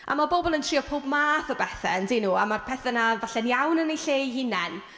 A ma' bobl yn trio pob math o bethe, yn 'dyn nhw? A ma'r pethe 'na falle'n iawn yn eu lle eu hunain.